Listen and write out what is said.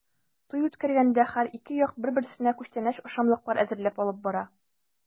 Туй үткәргәндә һәр ике як бер-берсенә күчтәнәч-ашамлыклар әзерләп алып бара.